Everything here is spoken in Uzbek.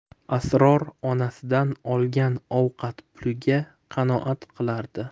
asror onasidan olgan ovqat puliga qanoat qilardi